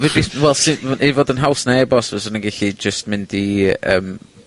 Fedrith, wel, sut ma'... I fod yn haws na e-bost fyswn nw'n gellu jyst mynd i, yym...